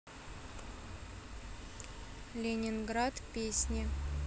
ленинград песни